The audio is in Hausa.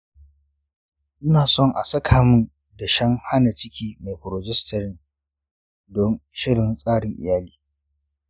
ina son a saka min dashen hana ciki mai progesterone don shirin tsarin iyali.